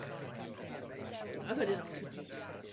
OK, a wedyn occupation... A wedyn occupation... There we go.